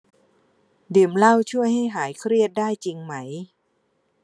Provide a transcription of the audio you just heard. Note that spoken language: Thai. ดื่มเหล้าช่วยให้หายเครียดได้จริงไหม